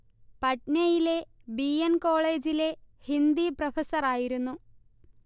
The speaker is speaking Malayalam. പട്നയിലെ ബി. എൻ. കോളേജിലെ ഹിന്ദി പ്രൊഫസ്സറായിരുന്നു